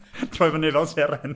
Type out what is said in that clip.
Troi fyny fel seren.